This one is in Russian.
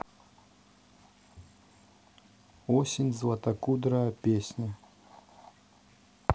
осень златокудрая песня